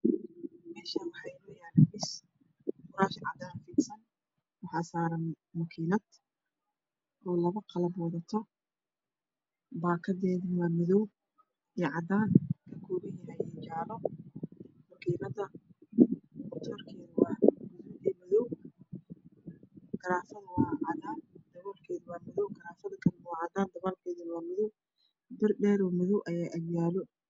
Meeshani waxaa yaalo kuraas cadaan ah waxaa saaran oo labo qalab baakadedu waa madaw iyo cadaan